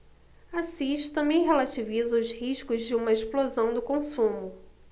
assis também relativiza os riscos de uma explosão do consumo